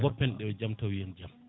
goppen ɗo jaam tawoyen jaam